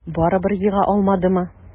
Барыбер ега алмадымы?